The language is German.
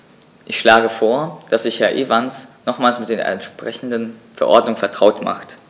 Ich schlage vor, dass sich Herr Evans nochmals mit der entsprechenden Verordnung vertraut macht.